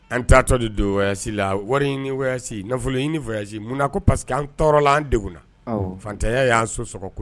An t'tɔ de donsi la warisi nafolo in nisi mun na ko parce que an tɔɔrɔ an denw na fantanya y'a so s